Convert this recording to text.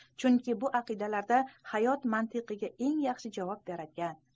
chunki bu aqidalarda hayot mantiqiga eng yaxshi javob beradigan